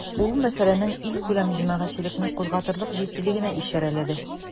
Ул мәсьәләнең илкүләм җәмәгатьчелекне кузгатырлык җитдилегенә ишарәләде.